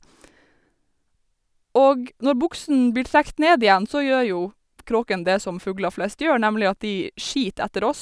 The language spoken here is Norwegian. Og når buksene blir trekt ned igjen så gjør jo kråkene det som fulger flest gjør, nemlig at de skiter etter oss.